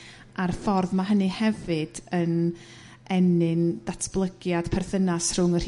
A'r ffordd ma' hynny hefyd yn enyn datblygiad perthynas rhwng y